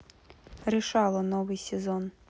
решала новый сезон